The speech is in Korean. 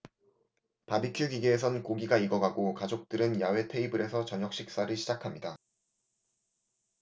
바비큐 기계에선 고기가 익어가고 가족들은 야외 테이블에서 저녁식사를 시작합니다